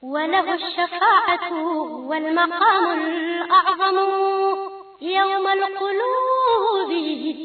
Wbugu wa jama